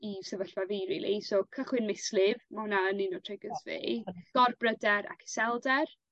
i sefyllfa fi rili. So cychwyn mislif, ma wnna yn un o triggers fi. Gorbryder ac iselder.